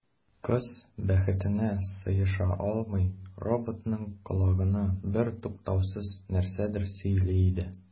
Кыз, бәхетенә сыеша алмый, роботның колагына бертуктаусыз нәрсәдер сөйли иде.